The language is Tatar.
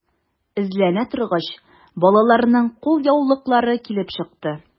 Эзләнә торгач, балаларның кулъяулыклары килеп чыкты.